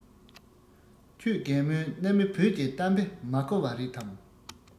ཁྱོད རྒན མོས གནའ མི བོད ཀྱི གཏམ དཔེ མ གོ བ རེད དམ